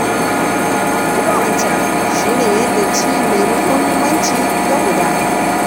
Kuma wancan shi ne yadda ci mai muhimmancin ya gudana.